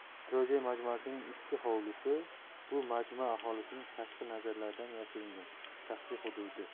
turar joy majmuasining ichki hovlisi bu majmua aholisining tashqi nazarlardan yashiringan shaxsiy hududi